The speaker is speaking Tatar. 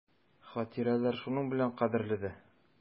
Хатирәләр шуның белән кадерле дә.